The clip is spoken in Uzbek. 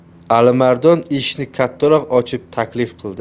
alimardon eshikni kattaroq ochib taklif qildi